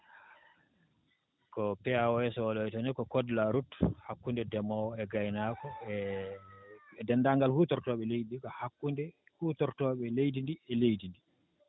ko POAS waɗoyta ni ko code de la route hakkunde ndemoowo e gaynaako e e deenndaangal huutortooɓe leydi ndi ko hakkunde huutortooɓe leydi ndi e leydi ndi